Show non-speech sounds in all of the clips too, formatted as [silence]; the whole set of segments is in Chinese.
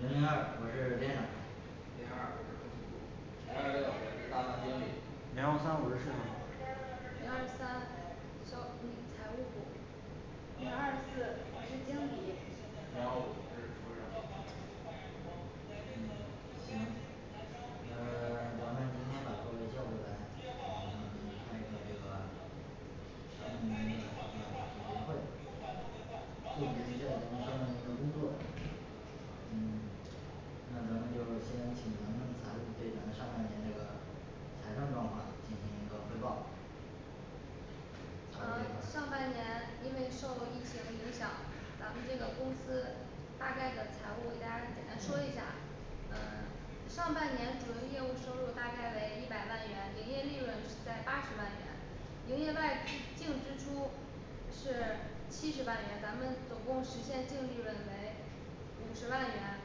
零零二我是 [silence] 店长零二我是后勤部零二六我是大堂经理零幺三我是设计部零二三嗯财务部零二四我是经理零幺五我是厨师长嗯 [silence] 行嗯 [silence] 咱们 [silence] 今天把各位叫过来，嗯 [silence] 开一个这个下半年的一个总结会部门儿上半年的工作嗯 [silence] 那咱们就先请咱们财务部这边儿上半年这个财政状况进行一个汇报。财务啊 [silence] 这块儿上半年 [silence] 因为受疫情影响，咱们这个公司大概的财务给大家简单说一下上半年主营业务收入大概为一百万元，营业利润是在八十万元营业外支 [unintelligible] 净支出是 [silence] 七十万元，咱们总共实现净利润为五十万元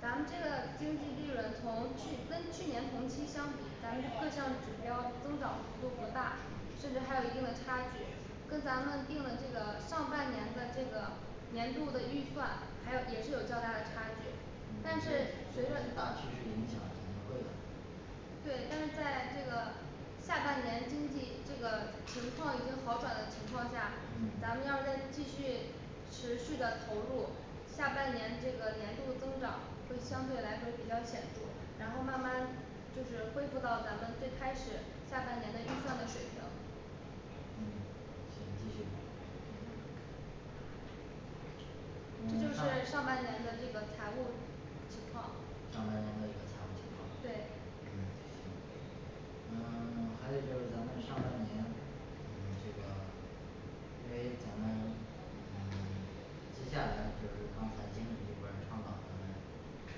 咱们这个经济利润同去跟去年同期相比，咱们各项指标儿的增长幅度不大甚至还有一定的差距跟咱们定的这个上半年的这个年度的预算还有也是有较大的差距嗯这但是些大趋势影响肯定会的对，但是在这个下半年经济这个情况已经好转的情况下，嗯咱们要在继续持续的投入下半年这个年度增长就相嗯对来说比较显著。 然后嗯慢慢就是 [silence] 恢复到咱们最开始下半年的预算的水平嗯行继续这嗯个，上是上半年的这个财务情况上半年的一个财务情况，对。嗯行嗯 [silence] 还有就是咱们上半年这个 [silence] 因为咱们嗯 [silence] 接下来就是刚才经理这边儿倡导咱们嗯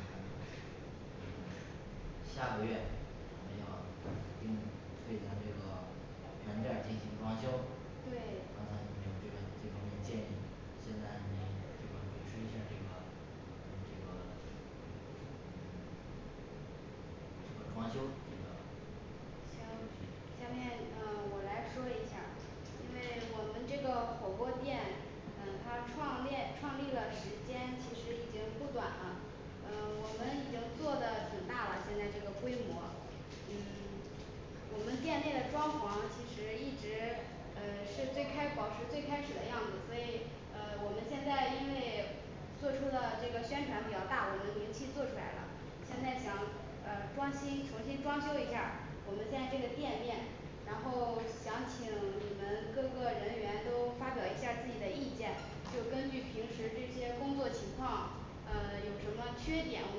[silence] 嗯下个月 [silence] 我们要 [silence] 定 [silence] 对咱门这个 [silence] 门店儿进行装修刚才不是有一个这对方面的建议。现在你这个主持一下儿这个嗯这个嗯这个装修这个行下面嗯我来说一下儿因为我们这个火锅儿店嗯他创连创立了时间其实已经不短啦嗯我们已经做得挺大了现在这个规模嗯 [silence] 我们店内的装潢其实一直 [silence] 嗯是最开保持最开始的样子，所以嗯我们现在因为做出了这个宣传比较大，我们名气做出来了现在想呃装期重新装修一下儿我们现在这个店面然后 [silence] 想请 [silence] 你们各个人员都发表一下儿自己的意见，就根据平时这些工作情况嗯 [silence] 有什么缺点，我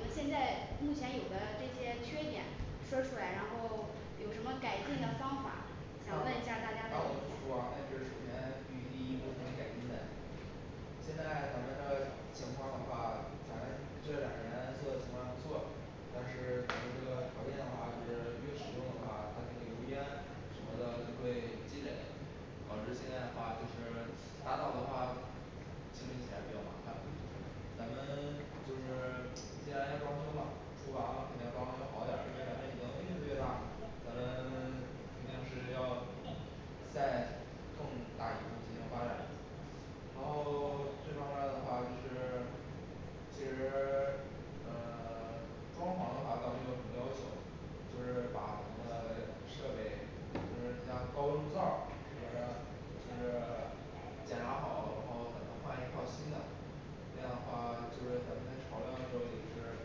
们现在目前有的这些缺点说出来，然后 [silence] 有什么改进的方法想问一下儿大家然的后我意们的见厨房那是首先 [silence] 必须第一更新改进的呀现在咱们的情况儿的话咱这两年做的情况还不错但是咱们这个条件的话就是越使用的话，它这个油烟什么的就会积累导致现在的话就是打扫的话清理起来比较麻烦咱们 [silence] 就是 [silence] 既然要装修嘛厨房肯定要装修好点儿，因为咱们已经越做越大咱们 [silence] 肯定是要再更大一步进行发展然后 [silence] 这方面的话是 [silence] 其实 [silence] 嗯 [silence] 装潢的话倒没有什么要求就是把我们的 [silence] 设备就是你像高温炉灶儿什么的就是 [silence] 检查好然后咱们换一套新的这样的话 [silence] 就是咱们在炒料的时候也就是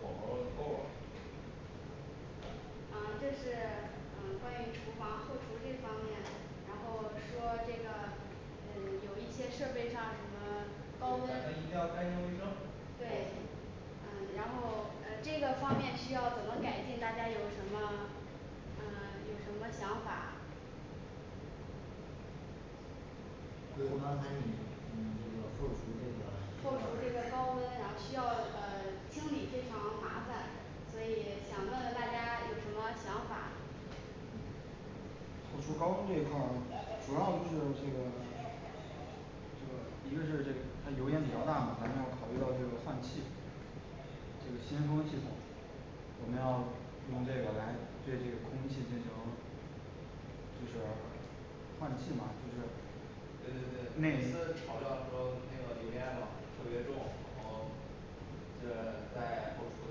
火候就够了嗯这是 [silence] 嗯关于厨房后厨这方面然后说这个嗯有一些设备上什么咱高们温一定要干净卫生对嗯然后 [silence] 这个方面需要怎么改进，大家有什么嗯 [silence] 有什么想法就是刚才你嗯这个后厨这后个厨需要这个高温然后需要嗯清理非常麻烦，所以想问问大家有什么想法儿厨房这一块儿 [silence] 主要就是这个一个就是他油烟比较大嘛可能要考虑到这个换气我们要用这个来对这个空气进行就是换气嘛就是对对对，每次炒料的时候那个油烟的话特别重，然后这个在后厨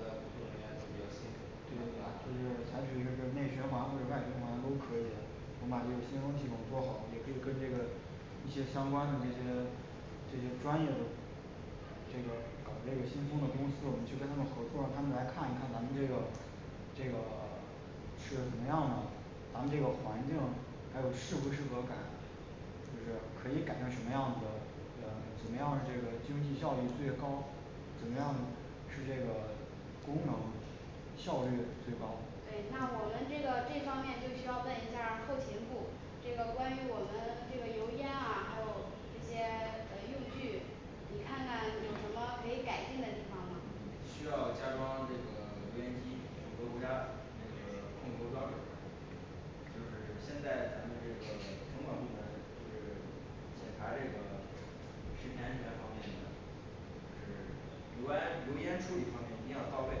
的工作人员都比较辛苦不想干了是是内循环或者外循环都可以是怎么样的？咱们这个环境还有适不适合咱就是可以改成什么样子的呃怎么样的这个经济效益最高怎么样使这个工程效率最高的对那么我们这个这方面就需要问一下儿后勤部这个关于我们这个油烟啊还有这些 [silence] 呃用具你看看有什么可以改进的地方儿吗？嗯需要加装这个油烟机，符合国家这个控油标准的就是现在咱们这个城管部门就是检查这个食品安全方面的就是油哎 [unintelligible] 油烟处理方面一定要到位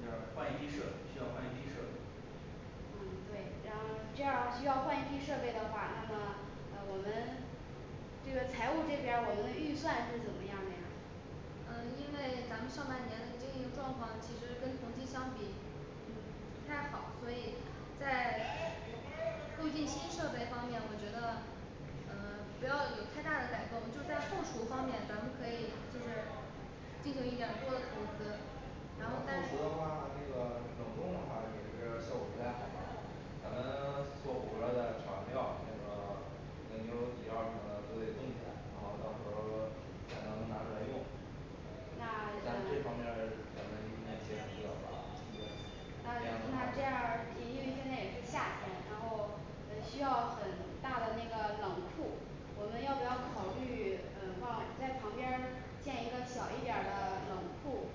就是换一批设备，需要换一批设备嗯对，加这儿要需要换一批设备的话，那么呃我们这个财务这边儿我们的预算是怎么样儿的呀嗯因为 [silence] 咱们上半年的经营状况其实跟同期相比嗯 [silence] 不太好所以在 [silence] 购进新设备方面，我觉得嗯 [silence] 不要有太大的改动，就在后厨方面咱们可以就是进行一点儿多的投资然然后后后但是厨的话 [silence] 那个冷冻的话也是效果不太好吧那在 [silence] 这方面儿 [silence] 咱们应该节省不了吧毕竟那样嗯那这的话样儿 [silence] 因为现在也是夏天，然后需要很大的那个冷库我们要不要考虑 [silence] 嗯往在旁边儿建一个小一点儿的冷库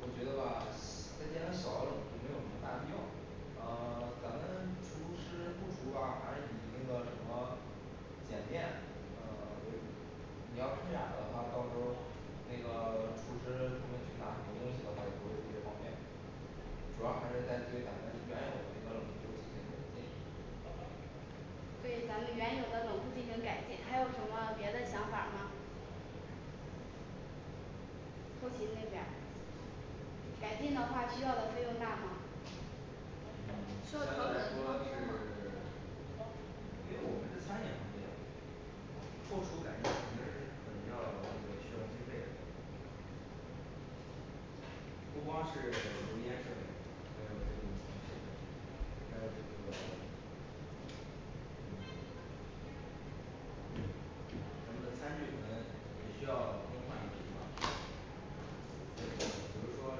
我觉得吧再建个小的冷库没有什么大的必要呃 [silence] 咱们厨师后厨儿啊还是以那个什么简便嗯为主你要开展了的话，到时候那个 [silence] 厨师他们去拿什么东西的话也不会特别方便主要还是在对咱们原有的这个冷库进行改进对咱们原有的冷库进行改进，还有什么别的想法儿吗后勤那边儿改进的话需要的费用大吗嗯 [silence] 相对来说是 [silence] 因为我们是餐饮行业后厨改进，反正是可能要这个需要经费的不光是 [silence] 油烟设备，还有普通设备，还有这个 [silence] 嗯 [silence] 还有这餐具可能也需要更换一批吧比如说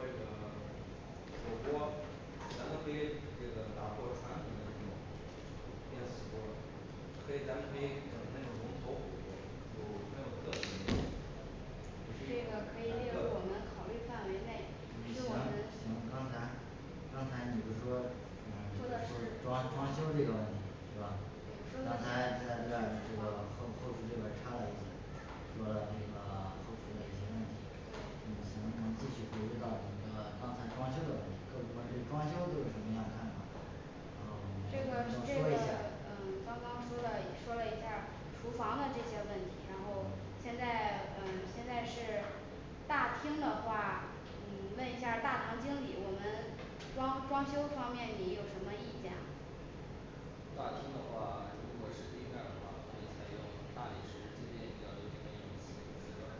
这个 [silence] 火锅咱们可以这个打破传统的那种可以咱们可以整成那种龙头火锅，有很有特色那种也这是一种个可特以列入色我们嘛考虑范围内，嗯是行我们行刚才刚才你们就说你们你说们的说是装装修这个问题，是吧对？说刚的才在在在这个后后厨这边儿插了一句嘴说了这个 [silence] 后厨的一些问题对，你们你们能继续回归到你们这刚才装修的问题各部门儿对装修都有什么样的看法嗯我们这个就就这是说个一下 [silence] 嗯刚刚说的说了一下儿厨房的这些问题，然后现在嗯现在是大厅的话嗯问一下儿大堂经理，我们装装修方面你有什么意见啊大厅的话 [silence] 如果是地面儿的话，可以采用大理石最近比较有名的是吧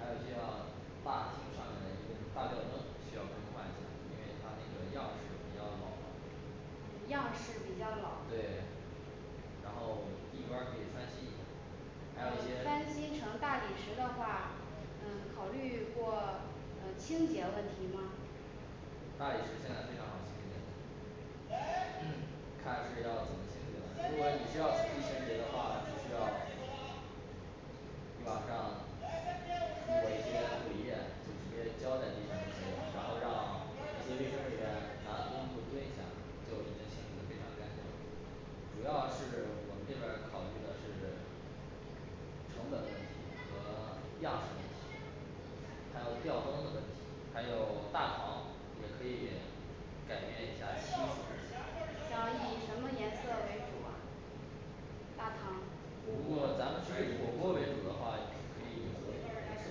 还有需要大厅上面的一个大吊灯需要更换一下，因为他那个样式比较老就样式比较老对然后地砖儿可以翻新一下儿还有一翻些新成大理石的话嗯考虑过嗯清洁问题吗？大理石现在非常看是要怎么清洗的，如果你需要仔细清洁的话就需要你往上涂抹一些护理液就直接浇在地上就可以了，然后让那些卫生人员拿墩布儿蹲一下，就已经清理的非常干净啦主要是 [silence] 我们这边儿考虑的是成本问题和样式问题还有吊灯的问题，还有大堂也可以 [silence] 改变一下就是想以什么颜色为主啊大堂如果咱们是&喂&以火锅为主的话，可以以红色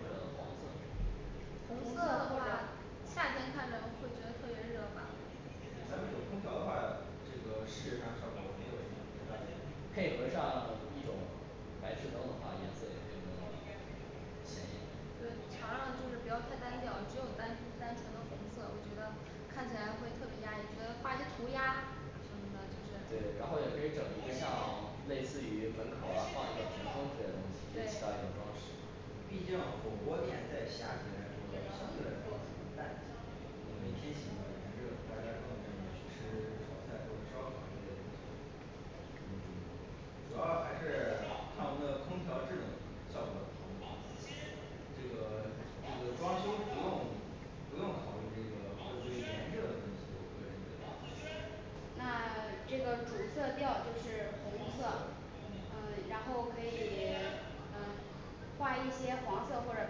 或者黄色红红色色的或话者夏天看着会觉得特别热吧咱们有空调的话，这个视觉上效果没有什么太大问题，配合上 [silence] 一种白炽灯的话颜色也变红了鲜艳对对就是对，然后也可以整一个像 [silence] 类似于门口儿啊放一个屏风之类的东西挺对高级毕竟火锅店在夏季来说 [silence] 相对来说属于淡季&嗯&因为天气比较炎热，大家更愿意去吃 [silence] 炒菜或者烧烤之类的东西主要还是 [silence] 看我们的空调制冷效果好不好这个 [silence] 这个装修不用不用考虑这个会不会炎热的问题，我个人觉得那 [silence] 这个主色调就是红色，嗯嗯然后可以 [silence] 嗯画一些黄色或者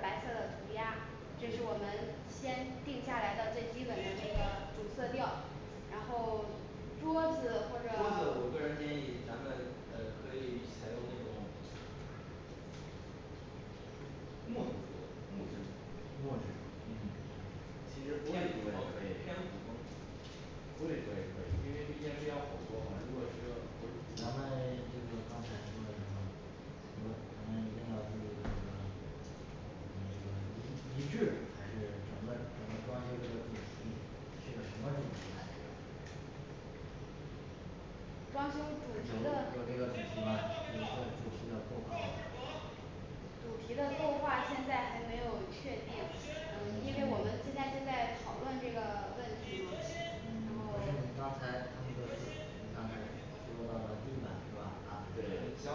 白色的涂鸦，这是我们先定下来的最基本的那个主色调然后 [silence] 桌子或桌子者 [silence] 我个人建议咱们嗯可以采用那种木头的木木质质的嗯其的嗯实偏偏普普通通可以可以可以可以，因为毕竟是要火锅嘛，如果是咱们 [silence] 这个刚才说的时候说咱们一定要注意的就是嗯这个离 [unintelligible] 礼制还是整个整个装修这个主题，是个什么主题啊这个装修有主题的有这个主题吗？有一个主题的构划吗主题的构划现在还没有确定嗯因为我们现在就在讨论这个问题嘛然后对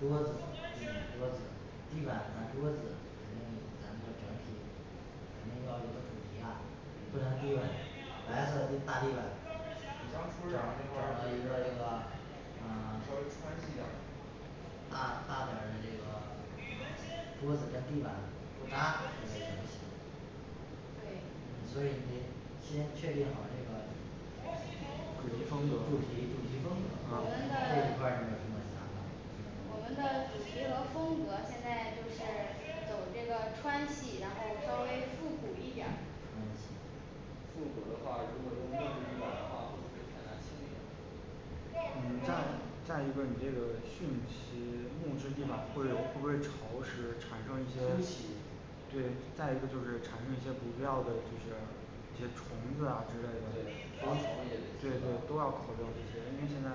桌子、嗯桌子、地板、咱桌子，肯定咱们整体肯定要有个主题啊&嗯&不能地板白色的地大地板你找像厨找师长这块儿他就一个那是个嗯 [silence] 稍微川系点儿大大的点儿这个 [silence] 嗯桌子和地板不搭这个也不行对所以你得先确定好这个主题主题主题风格我们这的一 [silence] 块儿你有什么想法我们的主题和风格现在就是走这个川系，然后稍微复古一点儿川系复古的话如果就木质地板的话会不会太难清洁你这再一个你这个汛期木质地板会不会潮湿产生一些东西这再一个就是产生一些不必要的这个 [silence] 一些虫子啊之类的，这些东西都要合用，我们现在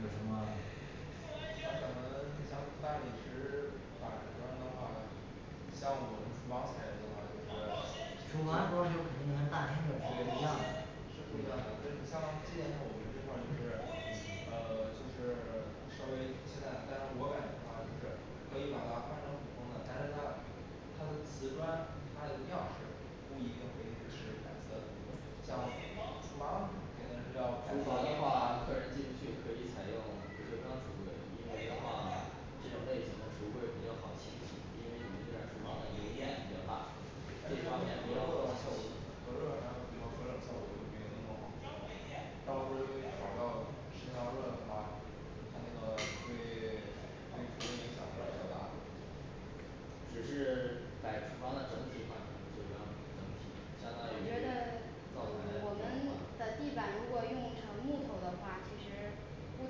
有什么有可能 [silence] 像大理石 [silence] 板儿砖的话像我们厨房采用的话，就是 [silence] 是厨不一房样的装所修肯定跟大厅这是不一样的以像今年我们这块儿就是呃就是 [silence] 稍微现在但是我感觉的话就是可以把它换成普通的但是它，它的瓷砖它的样式不一定非得是白色的厨房肯定是要改厨房的的话客人进不去可以采用不锈钢尺度的话，这种类型的橱柜比较好清洗，因为你们这儿厨房的油烟比较大但这一是隔方面比热的话较效果隔热啥的隔冷效果就没有那么好了到时候因为炒料是要热的话他那个对 [silence] 卫厨的影响也比较大只是 [silence] 把厨房的整体换成，不锈钢整体相当我于 [silence] 觉得灶台不我用换们了的地板如果用成木头的话，其实不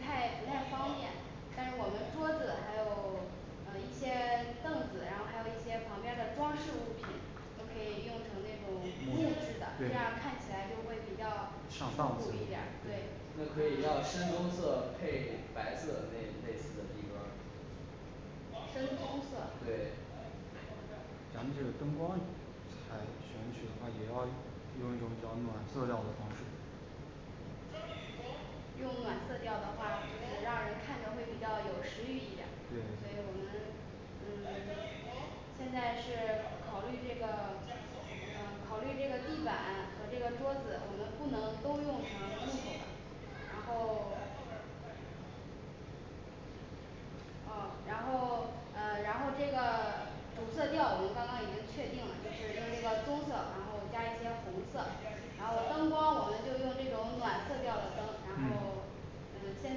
太不太方便但是我们桌子还有 [silence] 嗯一些 [silence] 凳子，然后还有一些旁边的装饰物品都可以用成那种木制的，这样儿看起来就会比较舒上档服次一点儿对，那对可以叫深棕色配白色那类似的地砖儿深棕色对 [silence] [silence] 用暖色调的话就是让人看着会比较有食欲一点。&嗯&所以我们嗯 [silence] 现在是考虑这个 [silence] 嗯考虑这个地板 [silence] 和这个桌子，我们不能都用成木头的然后 [silence] 嗯然后 [silence] 嗯然后这个 [silence] 主色调我们刚刚已经确定啦就是用这个棕色，然后加一些红色然后灯光我们就用这种暖色调的灯&嗯&然后 [silence] 嗯现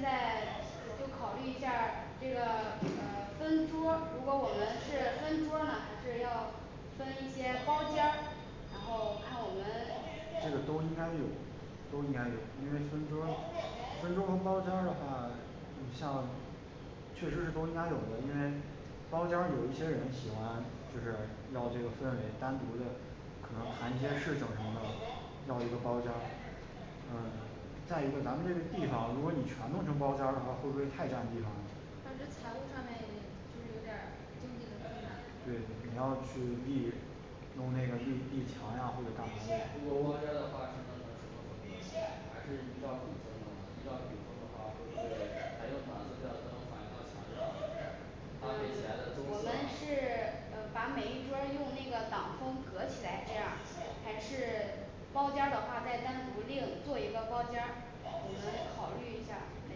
在 [silence] 就考虑一下儿这个嗯分桌儿如果我们是分桌儿呢还是要分一些包间儿然后看我们 [silence] 这个都应该有都应该有因为分桌包间儿的话你像确实说应该有的，因为包间儿有一些人喜欢就是让那个氛围单独的然后谈一些事情什么的要一个包间儿嗯 [silence] 再一个咱们这个地方，如果你全弄成包间儿的话，会不会太占地方了而且财务上面也就是有点儿经济紧对你要去弄那个一一墙呀或者一些如果包间儿的话是不说的还是依照主题依照主题的话就会还用暖色调的灯反映到墙上嗯搭我配起来的棕色们是 [silence] 嗯把每一桌儿用那个挡风隔起来这样儿还是 [silence] 包间的话再单独另做一个包间儿我们 [silence] 考虑一下儿哪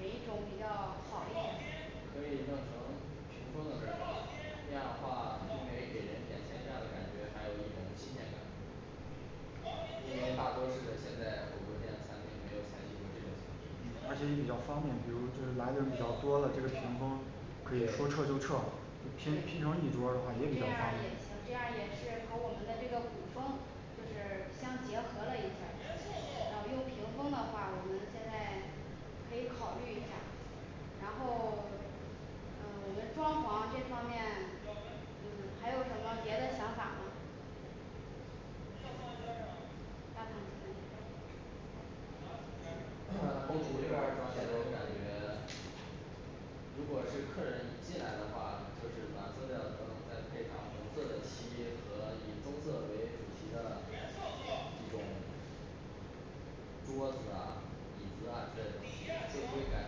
一种比较好一点儿可以弄成屏风的这种这样的话因为给人眼前一亮感觉还有一种新鲜感因为大多数的人在火锅儿店餐厅没有采取过这种主题，而且比较方便，比如是来的人比较多了这个屏风可以说对撤就撤这样儿也行平平常一桌儿，这样儿也是和我们的这个古风就是相结合了一下儿然后用屏风的话我们现在可以考虑一下然后 [silence] 嗯我们装潢这方面嗯还有什么别的想法儿吗？大堂经理 [crosstalk] 这边儿现在就感觉如果是客人一进来的话就是暖色调的灯再配上红色的漆和以棕色为主题的一种桌子啊椅子啊之类的东西，会不会感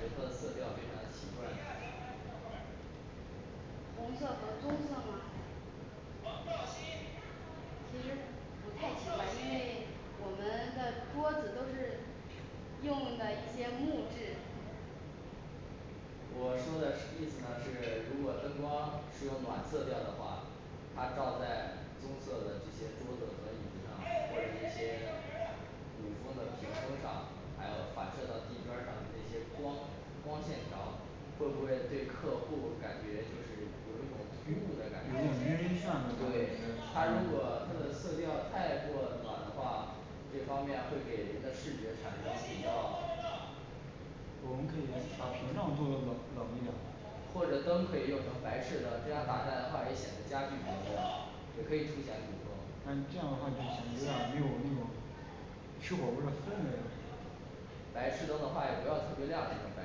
觉它的色调非常的奇怪呢红色和棕色吗其实不太喜欢，因为 [silence] 我们的桌子都是用 [silence] 的一些木质我说的是 [unintelligible] 意思呢是如果灯光是用暖色调的话他照在棕色的这些桌子和椅子上或者一些古风的屏风上，还有反射到地砖儿上的那些光光线条会不会对客户感觉就是有一种突兀的感觉有一种晕眩？的对感觉他如果他的色调太过暖的话这方面会给人的视觉产生比较 [silence] 我们可以来找什么样作用的或者灯可以用成白炽灯，这样儿打下来的话也显得家具比较亮也可以凸显古风但是这样的话显得没有那种白炽灯的话也不要特别亮的那种白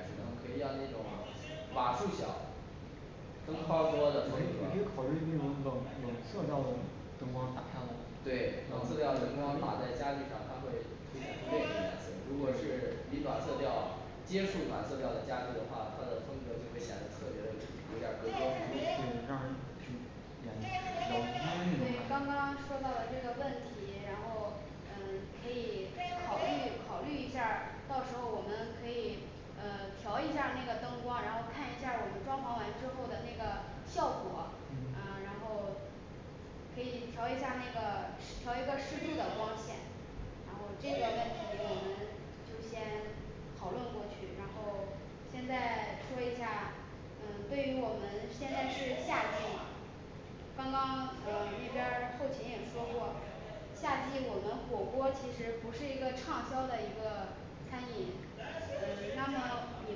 炽灯可以要那种瓦数小灯泡儿多的可以考虑冷冷色调的灯光对冷色调灯光打在家具上，它会凸显出这个颜色，&嗯&如果是以暖色调接触暖色调的家具的话，它的风格就会显得特别的有点儿格格不嗯入但是嗯行对于刚刚说到了这个问题，然后嗯可以考虑考虑一下儿，到时候我们可以嗯调一下儿那个灯光，然后看一下儿我们装潢完之后的那个效果嗯然后可以调一下儿那个 [silence] 调一个适度的光线然后这个问题我们就先讨论过去，然后现在说一下儿嗯对于我们现在是夏季嘛刚刚嗯那边儿后勤也说过夏季我们火锅儿其实不是一个畅销的一个餐饮嗯那么你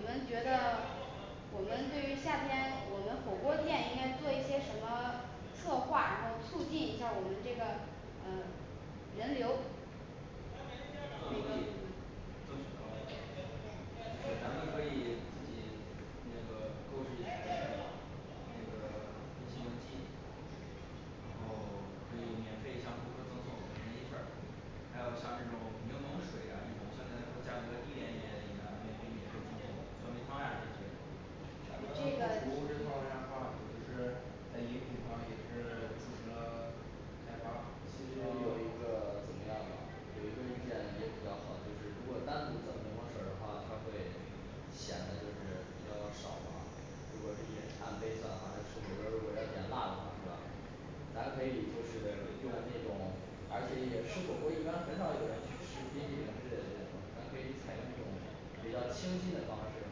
们觉得我们对于夏天我们火锅儿店应该做一些什么策划，然后促进一下儿我们这个嗯人流做雪糕就是咱们可以自己那个购置一台那个 [silence] 冰激凌机然后 [silence] 可以免费向顾客赠送每人一份儿还有像这种 [silence] 柠檬水啊这种相对来说价格低廉一点的饮料，咱们也可以免费赠送酸梅汤呀这些咱们后厨这块儿的话，就是在饮品上也是那个开发其实然有一这后个怎么样个的嗯有一个意见也比较好，就是如果单独造柠檬水儿的话，它会显得就是比较少啊如果是一些按杯子的话，那纸杯子比较大的话是吧咱可以就是用那种而且也吃火锅，一般很少有人去吃冰激凌之类的这些东西，咱可以采用一种比较清新的方式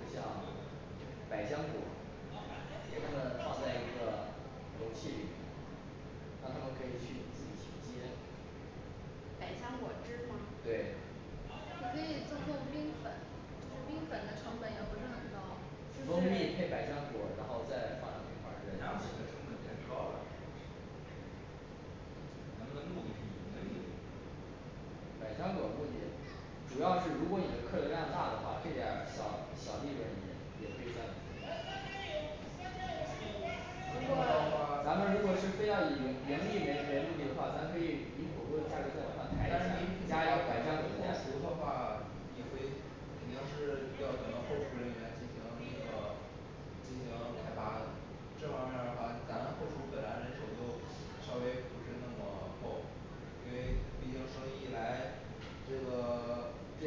就像百香果儿给他们放在一个容器里面让他们可以去自己去接百香果汁儿吗？对蜂蜜配百香果儿然后再放一块百儿这个，香果的成本太高了就就是是咱们的目的是以营利为准百香果儿目的主要是如果你的客流量大的话，这点儿小小利润也也可以这么说的话咱们如果是非要以盈利为为目的的话，咱可以以火锅的价格再往上抬一下儿，加以百香果后儿的价儿厨的话你会因为毕竟生意一来这个 [silence]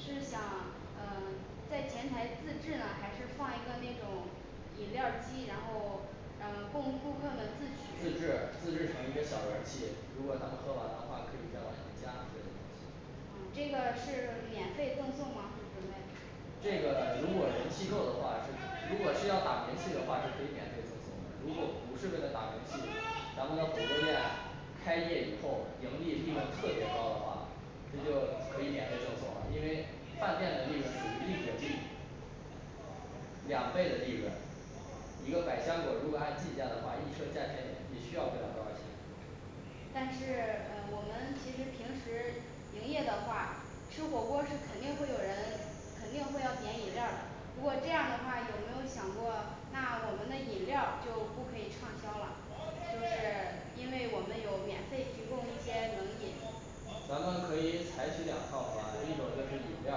是想嗯在前台自制呢还是放一个那种饮料儿机，然后啊供顾客们自自取制自制成一个小容器，如果他们喝完的话可以再往里面加这个东西嗯这个是免费赠送吗？是准备这个如果人气够的话就如果是要打名气的话是可以免费赠送的，如果不是为了打名气，咱们这火锅店开业以后盈利利润特别高的话这就可以免费赠送了，因为饭店的利润属于利滚利两倍的利润一个百香果儿如果按进价的话，一车价钱也需要不了多少钱但是 [silence] 嗯我们其实平时营业的话吃火锅儿是肯定会有人肯定会要点饮料儿的，如果这样儿的话，有没有想过那我们的饮料儿就不可以畅销了 [silence] 就是 [silence] 因为我们有免费提供一些冷饮咱们可以采取两套方案，一种就是饮料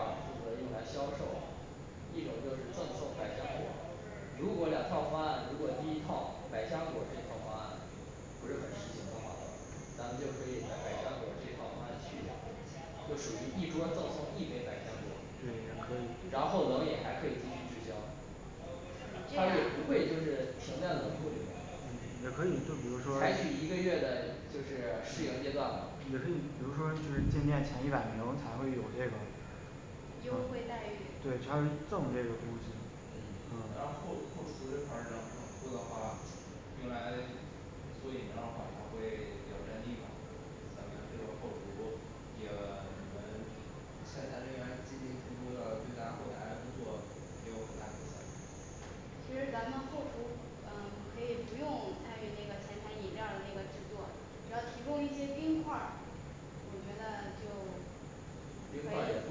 儿负责用来销售一种就是赠送百香果儿如果两套方案，如果第一套百香果儿这一套方案不是很实行的话呢，咱们就可以把百香果儿这一套方案去掉就属于一桌儿赠送一杯百香果儿，&嗯嗯&然后冷饮还可以继续滞销这他也不样会就是停在冷库里边儿采取一个月的就是试营阶段吧优惠待遇就是常人赠这个东西&嗯&然后后后厨这块儿冷冷库的话用来 [silence] 做饮料儿的话它会 [silence] 比较占地方咱们这个后厨也 [silence] 你们现在人员进进出出的对咱后台工作也有很大影响其实咱们后厨嗯可以不用参与那个前台饮料儿的那个制作，主要提供一些冰块儿我觉得就可以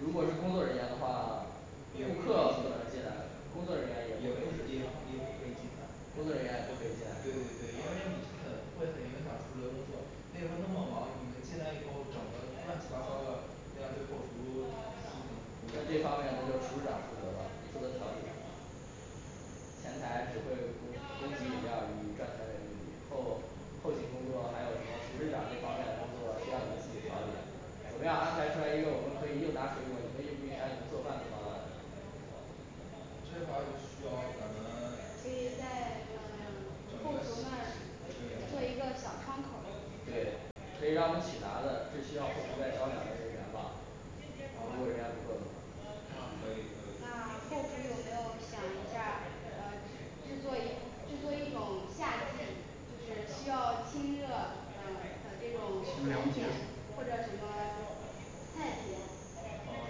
如果是工作人员的话 [silence] 你顾也不也也不可以进客来不能对进来了，工对作人对员因也为工你作人员不也可以进来很会很影响后厨的工作，那个时候那么忙，你们进来以后整的乱七八糟的那样对后厨那这方面就是厨师长负责了你负责调一下前台只会供供给饮料儿以赚钱为目的，后后期工作，还有什么厨师长这方面的工作需要你们自己调理的怎么样安排出来一个，我们可以又拿水果，你们又不影响你们做饭的方案这一块儿就需要咱们可以在 [silence] 整嗯后个厨那儿对做一个小窗口儿对，可以让我们一起拿的最需要后厨再招两名人员嘛如果人员不够的话可以那可以后厨有没有想一下儿嗯制 [unintelligible] 制作一制作一种夏季就是需要清热嗯的这种甜点或者什么菜品呃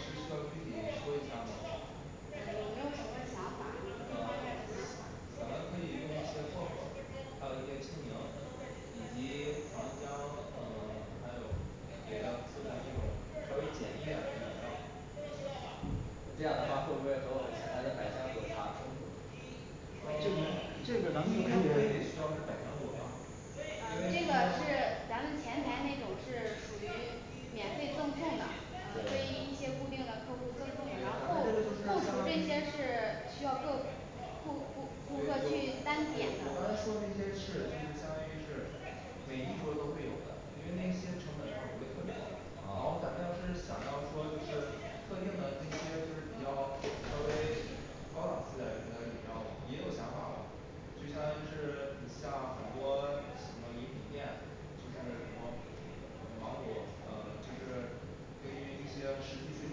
是需要具体 [silence] 说一下儿吗有没有什么想法儿？有没有这方面的想法儿咱们可以用一些薄荷，还有一些青柠以及糖浆嗯 [silence] 还有别的不常遇到的稍微简易一点儿的饮料这样的话会不会和我们前台的百香果儿茶冲突嗯 [silence] 不一定非得非是百香果吧嗯这因个为是咱们前台那种是属于免费赠送的，嗯对对于一些固定的客户赠送咱们这个就是，然后后相厨当这些于是需要客顾顾对就顾客去单点我刚才的，说那些事相当于是每一桌都会有的，因为那些成本它不会特别高&嗯&然后咱们要是想要说就是特定的那些就是比较稍微高档次点儿的饮料也有想法吧就相当于是你像很多什么饮品店，就是什么芒果，嗯就是根据一些实季水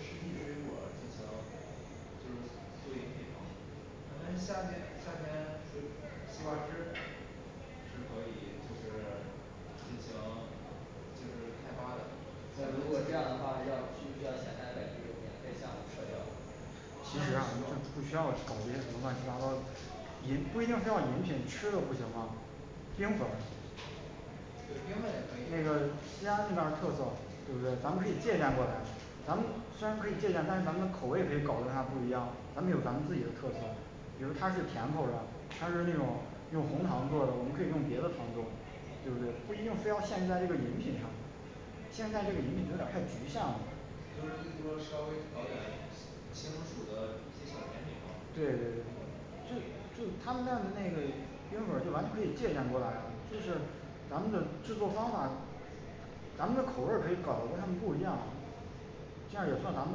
实季水果儿进行就是 [silence] 做饮品嘛咱们夏天夏天水西瓜汁是可以就是进行就是开发了如果这样的话，那要需不需要前台把这个免费项目撤销了其实不用不需要了，我觉得可能乱七八糟的。也不一定非要饮品吃的不行吗那问可以个西安那边儿特色就是咱们可以借鉴过来，咱们虽然可以借鉴，但是咱们口味可以搞得他不一样咱们有咱们自己的特色比如它是甜口儿的它是那种用红糖做的，我们可以用别的糖做，对不对？不一定非要限制在这个饮品上现在这个饮品项目就是说稍微烤点儿清暑的一些小甜点嘛对对对就他们那那那会儿是完全可以借鉴过来，这个咱们的制作方法咱们这儿口味儿可以搞的跟他们不一样的这样儿也算咱们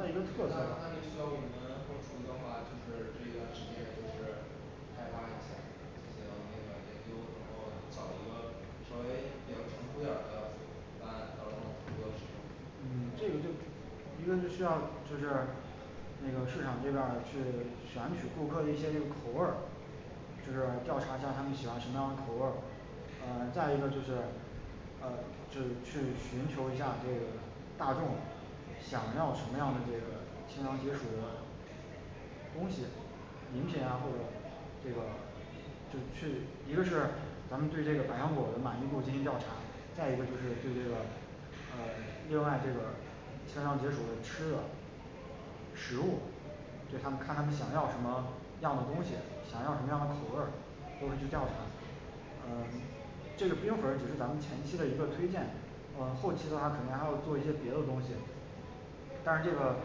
的一个流那那程就需要我们后厨的话，就是这一段时间就是开发一下行这个研究成后找一个稍微比较成熟点儿的方案到时候我们使用那个市场最大的是选每个顾客的一些口味儿就是调查他们喜欢寻常的口味儿嗯再一个就是嗯去去寻求一下那个大众想要什么样的一个饮品啊或者这个一个是咱们对这个芒果的满意度进行调查再一个就是就是另外这个有吃的食物写上他们想要什么样的东西，想要什么样的口味儿确立项目嗯这个冰粉儿只是咱们前期的一个推荐，呃后期的话可能还要做一些别的东西但是这个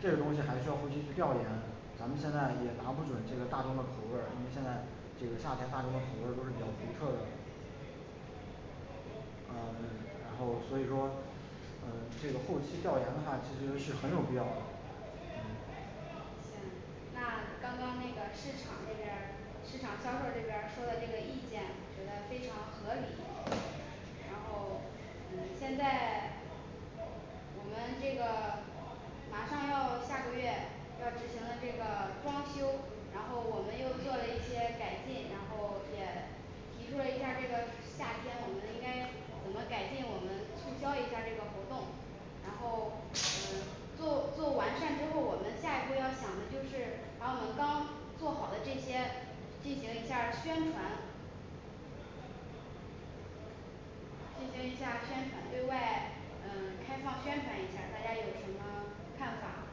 设计部还是要去调研的，咱们现在也拿不准这个大众的口味儿，因为现在这是夏天一个独特的嗯然后所以说嗯这个后期调研的话其实是很有必要的然后我们现在我们这个 [silence] 马上要下个月要执行这个装修，然后我们又做了一些改进然后也提出了一下儿这个夏天我们应该怎么改进，我们促销一下儿这个活动然后嗯做做完善之后，我们下一步要想的就是把我们刚做好的这些进行一下儿宣传进行一下儿宣传，对外嗯开放宣传一下儿大家有什么看法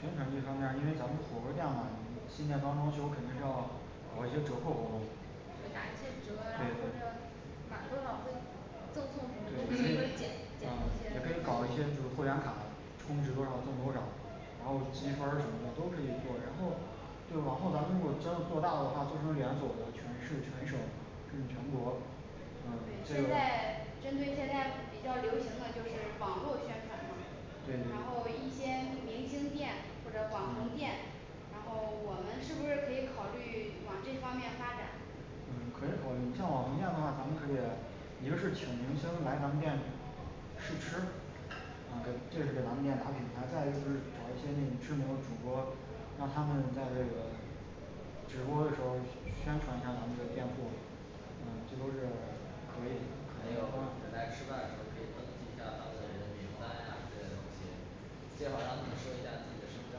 宣传这方面儿因为咱们的火锅店儿嘛新店刚装修肯定是要搞一些折扣活动打一些折啊对对满多少赠送&& [crosstalk] 也可以搞一些就是会员卡充值多少赠多少然后积分儿什么的都可以做往后咱们如果交易做大的话，就是连锁的全市全省甚至全国对，嗯现在 [silence] 针对现在比较流行的就是网络宣传嘛，然对后一些明星店或者网红嗯店然后我们是不是可以考虑往这方面发展直播的时候宣传一下咱们的店铺你说的这个可以还有就是来吃饭的时候可以登记一下他们人名单呀之类的东西，最好让他们说一下自己的身份证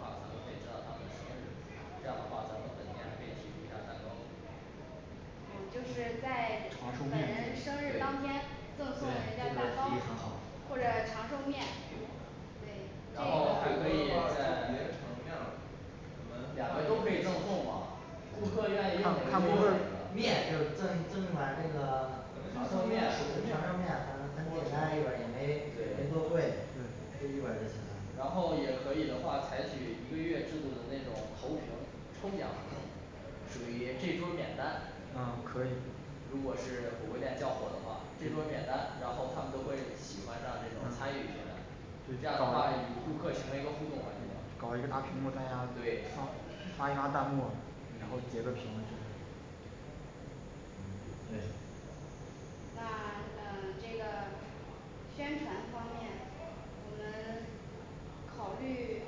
号儿，咱们可以知道他们的生日。这样的话咱们本地人可以提供一下蛋糕嗯就是在本人生日当天哎这赠个送人家蛋糕主意很好或者长寿面对然后还这个可以&长寿面了&我们两个都可以赠送嘛顾客愿意要哪个就要哪个面就是赠一赠一碗儿这个咱们这个普长通寿面长寿面很简单一个也没也没多面对贵就一碗儿就行了然后也可以的话采取一个月制度的那种投屏抽奖活动嗯可以然后截个屏对那嗯这个宣传方面我们考虑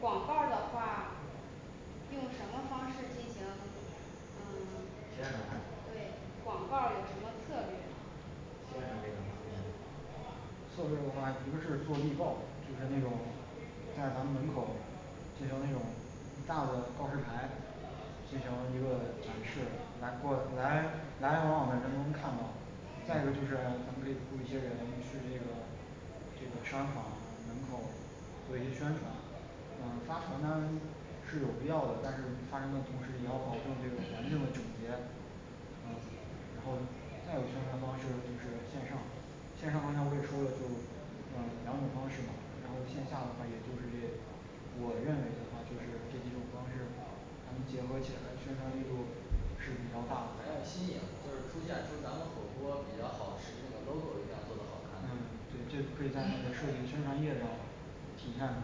广告儿的话用什么方式进行嗯宣传对广告儿有什么策略宣传这个方面进行这种大的告示台再一个就是我们可以雇一些人去那种就是商场能够做一些宣传发传单是有必要的但是发传单的同时也要保证这个环境的& [crosstalk] &整洁嗯然后还有宣传方式就是线上的我认为就是这几种方式咱要宣传力度是比较大的新颖就这是出现就是咱们火锅比较好吃， 那logo也应该做的好看对这也可以在咱们设 [crosstalk] 计宣传页中体现出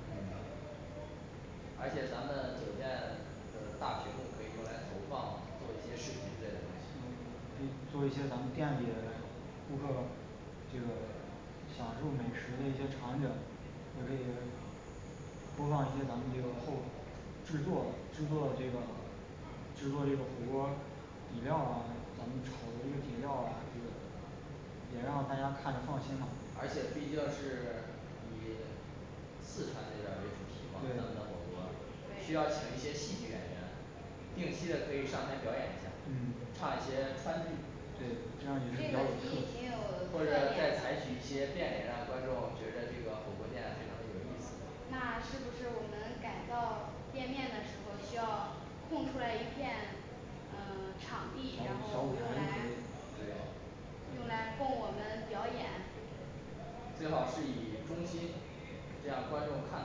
嗯而且咱们酒店的大屏幕可以用来投放做一些视频之类的东西可以做一些咱们店里的这个 [silence] 享受美食的一些场景他多让一些咱这个客户制作制作这个制作一个火锅儿底料儿啊 [silence] 怎么炒一个底料儿啊这个也让大家看的更清楚而且必须要是 [silence] 以四川那边儿为主题嘛咱们这对火锅 [silence] 需要请对一些戏剧演员定期的可以上台表演一下儿，嗯唱一些川剧这个提议挺有。或特者点在采取一些便民啊观众觉得这个火锅店非常有意思那是不是我们改造店面的时候需要空出来一片嗯场地然后用来对用来供我们表演最好是以 [silence] 中心这样观众看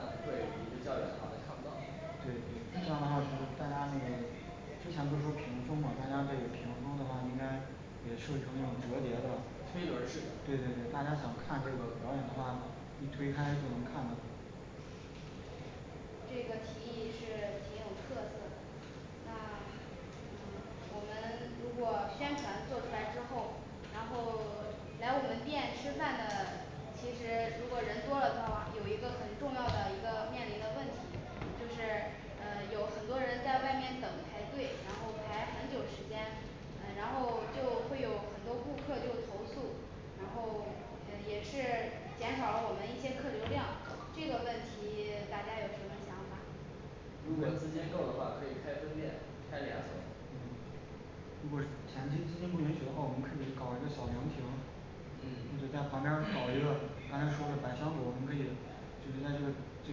的会离得较远的话他看不到这对个是对对大家想看这个推开就能看到这个提议是 [silence] 挺有特色的那嗯我们如果宣传做出来之后，然后 [silence] 来我们店吃饭的其实如果人多了的话，有一个很重要的一个面临的问题就是呃有很多人在外面等排队，然后排很久时间然后就会有很多顾客就投诉然后也是减少了我们一些客流量，这个问题 [silence] 大家有什么想法如果资金够的话可以开分店开连锁嗯就是可以在旁边嗯儿搞一个反 [crosstalk] 正就是，但是这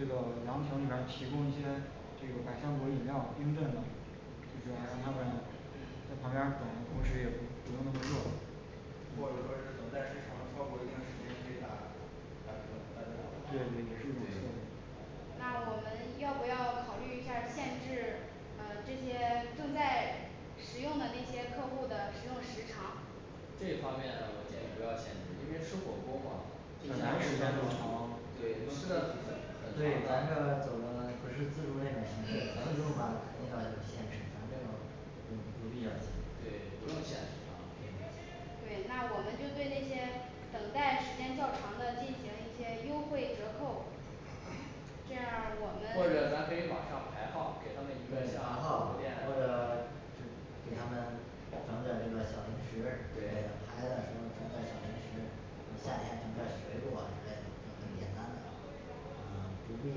个那边提供一些这个百川伦饮料儿公认的或者说是等待时长超过一定时间可以打那我们要不要考虑一下儿限制呃这些正在食用的那些客儿户的食用时长这方面我建议不要限时，因为吃火锅嘛不像吃自助 [crosstalk] 对咱这走的不是自助那种形式，自助吧肯定要有限制，咱这种不必要限时&对不用限可嗯以&啊对，我们就对那些等待时间较长的进行一些优惠折扣这样儿我或者咱们可以马上排号给他们一个对排号或者给他们整点儿这个小零食给他对排队的时候整点儿小零食。夏天整点儿水果啊之类的都很简单的，嗯不必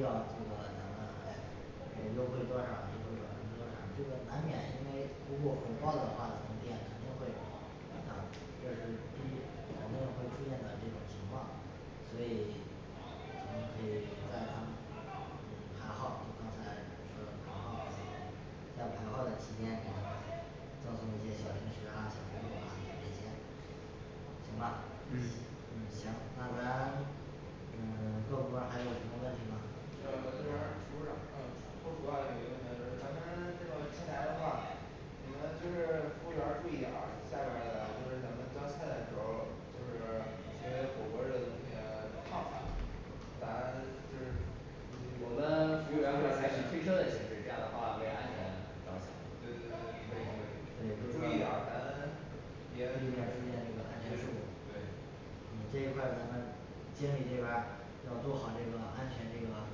要这个咱们来优惠啊优惠多少，这个难免因为如果火爆的话，咱们店肯定会嗯这是估计会出现的这种情况所以 [silence] 我们可以嗯排号刚才你说的排号嗯在排号的期间给他们一些小零食啊小水果儿啊给他一些行吧嗯嗯行那咱 [silence] 嗯 [silence] 各部门儿还有什么问题吗这个这边儿厨师长啊咱 [silence] 就是服我们 [silence] 务员会采取推车的形式，这样的话为安全着想对对对注意点不应儿该出现我这个安全们事故也对这一块儿咱们经理这边儿要做好这个安全这个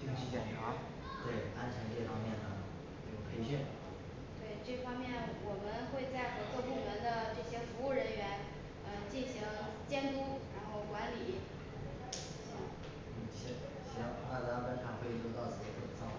定期检查安全这方面的培训对这方面我们会再和各部门的这些服务人员呃进行监督，然后管理行嗯行行，那咱们本场会议就到此结束，散会